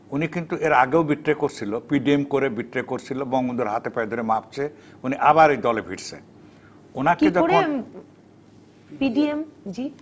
উনি কিন্তু এর আগেও বিট্রে করছিল পিডিএম করে বিট্রে করছিল বঙ্গবন্ধুর হাতে পায়ে ধরে মাফ চেয়ে উনি আবার এ দলে ভিড়ছেন উনাকে যখন কি করে পিডিএম জি